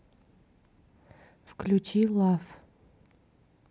включи лав